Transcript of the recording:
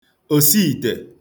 òsiìtè